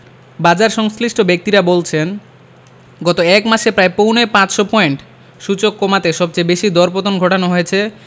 বাজারসংশ্লিষ্ট ব্যক্তিরা বলছেন গত এক মাসে প্রায় পৌনে ৫০০ পয়েন্ট সূচক কমাতে সবচেয়ে বেশি দরপতন ঘটানো হয়েছে